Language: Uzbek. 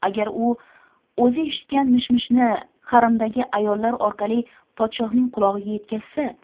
agar u o'zi eshitgan mish mishni haramdagi ayollar orqali podshohning qulog'iga yetkazsa